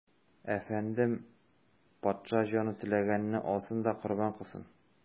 Әфәндем, патша, җаны теләгәнне алсын да корбан кылсын.